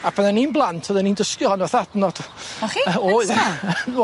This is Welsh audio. A pan o'n i'n blant odden ni'n dysgu hon fatha adnod. O' chi? Oedd.